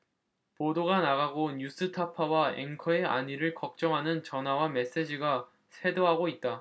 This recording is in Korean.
보도가 나가고 뉴스타파 와 앵커의 안위를 걱정하는 전화와 메시지가 쇄도하고 있다